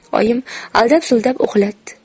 oyim aldab suldab uxlatdi